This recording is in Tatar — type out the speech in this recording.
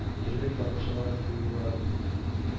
Төрле тамашалар куюларын